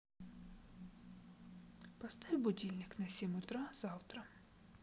поставь будильник на семь утра завтра